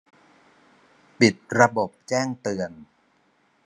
ปิดระบบแจ้งเตือน